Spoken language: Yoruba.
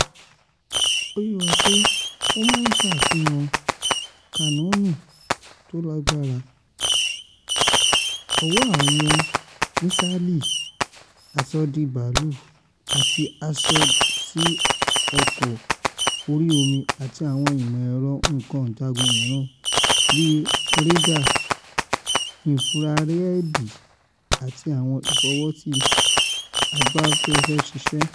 Ó yé wá pé wọ́n máa ṣàfihàn Kanọ́ọ̀nù tó lágbara, ọ̀wọ́ àwọn mísáìlì aṣòdì-sí-bàálù àti aṣòdì-sí-ọkọ̀ orí omi àti àwọn ìmọ̀ ẹ̀rọ nǹka ìjagun mìíràn, bíi rédà, ínfúrárẹ́ẹ̀dì àti àwọn ìfọ́wọ́sí abáfẹfẹ́ṣiṣẹ́.